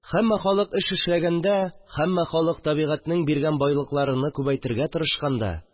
Һәммә халык табигатьнең биргән байлыкларыны күбәйтергә тырышканда